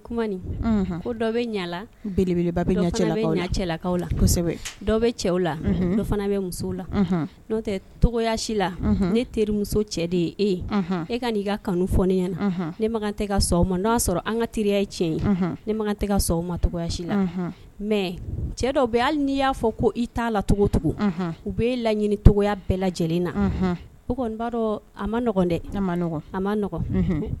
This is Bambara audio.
Eleb fana n' tɛ toya la ne terimuso cɛ de ye e ye e ka'i ka kanu fɔ ɲɛna na ne ma tɛ ka ma n y'a sɔrɔ an ka teriya ye tiɲɛ ye ne ma tɛ mayasi la mɛ cɛ dɔ bɛ hali n'i y'a fɔ ko i t'a lacogocogo u bɛ e laɲini togoya bɛɛ lajɛlen na kɔni b'a dɔn a maɔgɔn dɛ a maɔgɔn